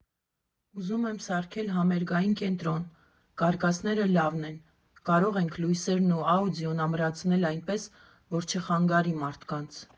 Ուզում եմ սարքել համերգային կենտրոն, կարկասները լավն են, կարող ենք լույսերն ու աուդիոն ամրացնել այնպես, որ չխանգարի մարդկանց։